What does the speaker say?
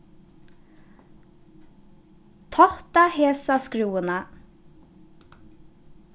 tátta hesa skrúvuna